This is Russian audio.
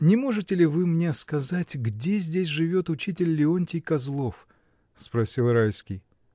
— Не можете ли вы мне сказать, где здесь живет учитель Леонтий Козлов? — спросил Райский.